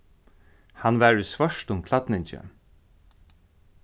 hann var í svørtum klædningi